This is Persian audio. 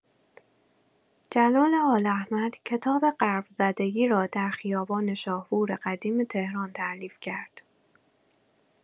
جلال آل‌احمد کتاب غرب‌زدگی را در خیابان شاهپور قدیم تهران تألیف کرد.